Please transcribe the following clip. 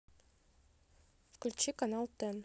включи канал тен